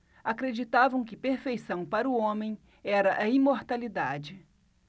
acreditavam que perfeição para o homem era a imortalidade